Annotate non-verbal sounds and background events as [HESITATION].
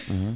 [HESITATION] [HESITATION]